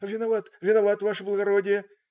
"Виноват, виноват, ваше благородие.